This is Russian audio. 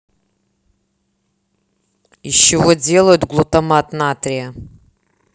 из чего делают глутамат натрия